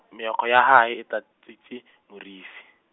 meokgo ya hae e tlatsitse morifi.